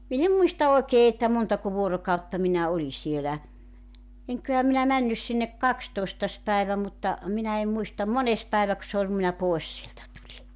minä en muista oikein että montako vuorokautta minä olin siellä enköhän minä mennyt sinne kahdestoista päivä mutta minä en muista mones päiväkö se oli kun minä pois sieltä tulin